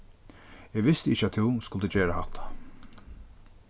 eg visti ikki at tú skuldi gera hatta